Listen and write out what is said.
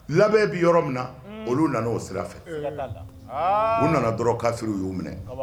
Labɛn bɛ yɔrɔ min na olu nana o sira fɛ u nana dɔrɔn kaffiriw y'u minɛ